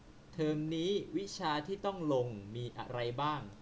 เทอมนี้วิชาที่ต้องลงมีอะไรบ้าง